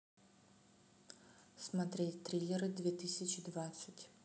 смотреть триллеры две тысячи двадцать